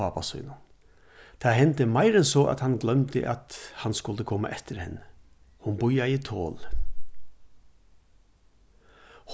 pápa sínum tað hendi meir enn so at hann gloymdi at hann skuldi koma eftir henni hon bíðaði tolin